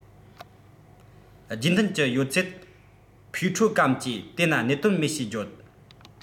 རྗེས མཐུད ཀྱི ཡོད ཚད ཕུས ཁྲོ གམ གྱིས དེ ན གནད དོན མེད ཞེས བརྗོད